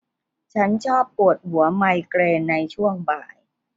ฉันชอบปวดหัวไมเกรนในช่วงบ่าย